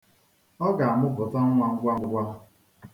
Ọ ga-amụputa nwa ngwa ngwa.